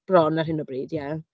Bron ar hyn o bryd, ie.